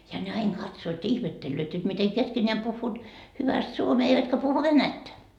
ja ne aina katsovat ja ihmettelevät jotta miten keskenään puhuvat hyvästi suomea eivätkä puhu venäjää